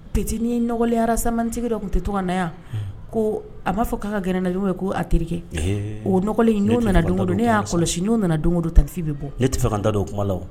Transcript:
Ptinin ye nɔgɔkɔlenyarasamantigi dɔ tun tɛ tɔgɔ na yan ko a m'a fɔ' ka grɛnlaj ye ko a terike o nɔgɔkɔ n'o nana don ne y'a kɔlɔsi n'o nana don wo don tatifin bɛ bɔ ne tɛ ka da don o kuma la